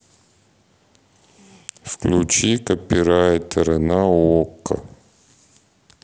включи копирайтеры на окко